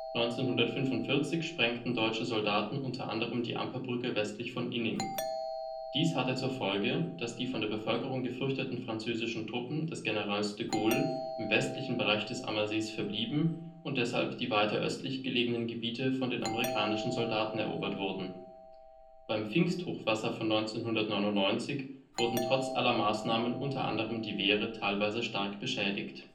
1945 sprengten deutsche Soldaten unter anderem die Amperbrücke westlich von Inning. Dies hatte zur Folge, dass die von der Bevölkerung gefürchteten französischen Truppen des Generals de Gaulle im westlichen Bereich des Ammersees verblieben und deshalb die weiter östlich gelegenen Gebiete von den amerikanischen Soldaten erobert wurden. Beim Pfingsthochwasser von 1999 wurden trotz aller Maßnahmen unter anderem die Wehre teilweise stark beschädigt